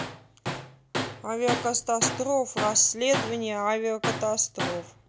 авиакатастроф расследование авиакатастроф